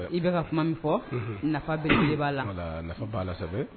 I bɛ ka kuma min fɔ nafa bɛ jeliba b'a la nafa b'a la